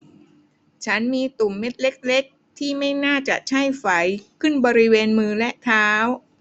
ฉันมีตุ่มเม็ดเล็กเล็กที่ไม่น่าจะใช่ไฝขึ้นบริเวณมือและเท้า